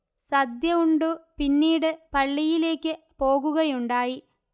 സദ്യ ഉണ്ടു പിന്നീട് പള്ളിയിലേയ്ക്ക് പോകുകയുണ്ടായി